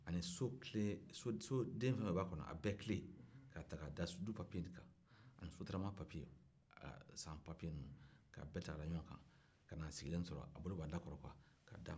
ani soden bɛɛ kile k'a ta ka da du papiye kan ani sotarama papiye a san papiye nunun ka bɛɛ ta ka da ɲɔgɔn kan ka n'a sigilen sɔrɔ a bolo b'a da kɔrɔ k'a d'a ma